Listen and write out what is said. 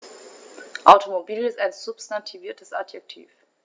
Automobil ist ein substantiviertes Adjektiv.